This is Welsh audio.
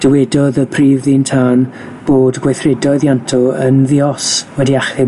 Dywedodd y prif ddyn tân bod gweithredoedd Ianto yn ddi os wedi achub